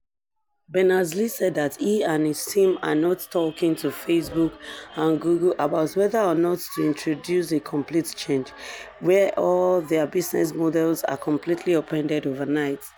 Berners-Lee said that he and his team are not talking to "Facebook and Google about whether or not to introduce a complete change where all their business models are completely upended overnight.